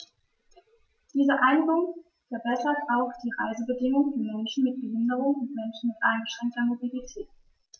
Diese Einigung verbessert auch die Reisebedingungen für Menschen mit Behinderung und Menschen mit eingeschränkter Mobilität.